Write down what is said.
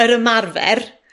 yr ymarfer,